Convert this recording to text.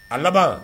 A laban